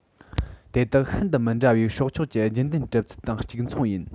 དེ དག ཤིན ཏུ མི འདྲ བའི སྲོག ཆགས ཀྱི རྒྱུན ལྡན གྲུབ ཚུལ དང གཅིག མཚུངས ཡིན